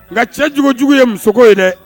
Nka cɛjugujugu ye muso ye dɛ